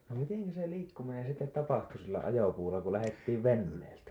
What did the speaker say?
no miten se liikkuminen sitten tapahtui sillä ajopuulla kun lähdettiin veneeltä